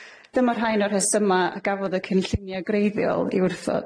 Dyma rhain o'r rhesyma' a gafodd y cynllunie g'reiddiol ei wrthod,